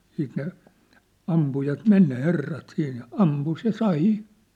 sitten ne ampujat meni ne herrat siinä ja ampui ja sai